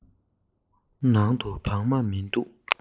ནང དུ བག མ མི འདུག